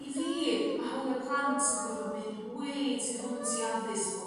i fi ma' hawlia' plant yn gorfod mynd way tu hwnt i addysg bob